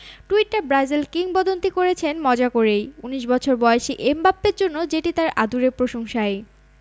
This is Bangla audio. টুইটটা ব্রাজিল কিংবদন্তি করেছেন মজা করেই ১৯ বছর বয়সী এমবাপ্পের জন্য যেটি তাঁর আদুরে প্রশংসাই